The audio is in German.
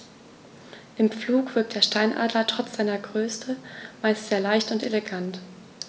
Im Flug wirkt der Steinadler trotz seiner Größe meist sehr leicht und elegant.